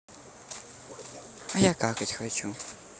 а я какать хочу